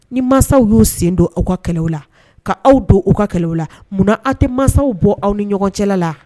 Ni mansaw y'u sen don aw ka kɛlɛ la ka aw don u ka kɛlɛ la munna aw tɛ masaw bɔ aw ni ɲɔgɔn cɛla la